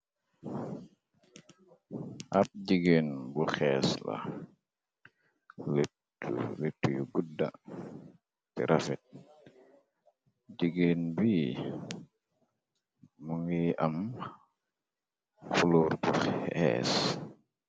Ab jigeen bu xees la lèttu lèttu yu gudda te rafet. Jigéen bi mu ngi am fulor bu hees.